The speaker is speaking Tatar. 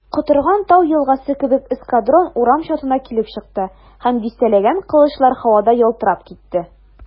Котырган тау елгасы кебек эскадрон урам чатына килеп чыкты, һәм дистәләгән кылычлар һавада ялтырап китте.